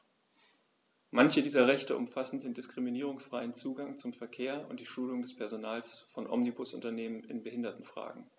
Manche dieser Rechte umfassen den diskriminierungsfreien Zugang zum Verkehr und die Schulung des Personals von Omnibusunternehmen in Behindertenfragen.